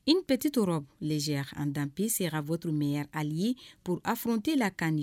Npte to lajɛzeya an danp septur mɛn a ye pur-fte la kan